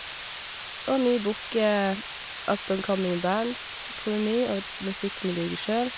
Og vi booker up and coming bands, tror vi, og d musikk vi liker sjøl.